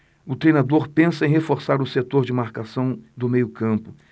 o treinador pensa em reforçar o setor de marcação do meio campo